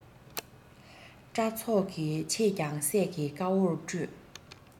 སྐྲ ཚོགས ཀྱི ཕྱེད ཀྱང སད ཀྱིས དཀར བོར བཀྲུས